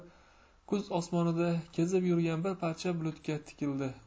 kuz osmonida kezib yurgan bir parcha bulutga tikildi